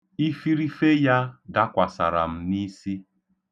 Ifirife ya dakwasara m n'isi.